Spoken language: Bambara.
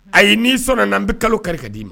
A ye n sɔnna n' an bɛ kalo kari d dii ma